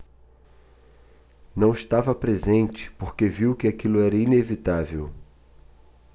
não estava presente porque viu que aquilo era inevitável